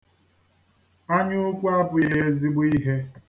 Anyaukwu abụghị ezigbo ihe.